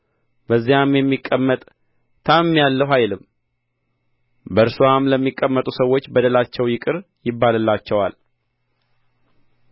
በዚያም የሚቀመጥ ታምሜአለሁ አይልም በእርስዋም ለሚቀመጡ ሰዎች በደላቸው ይቅር ይባልላቸዋል